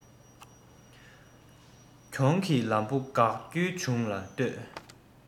གྱོང གི ལམ བུ དགག རྒྱུའི བྱུས ལ ལྟོས